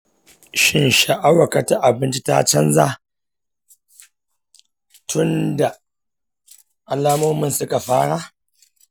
shin sha’awarka ta abinci ta canza tun da alamomin suka fara?